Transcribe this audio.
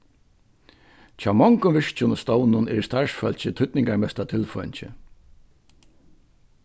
hjá mongum virkjum og stovnum er starvsfólkið týdningarmesta tilfeingið